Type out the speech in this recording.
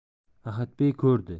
ahadbey ko'rdi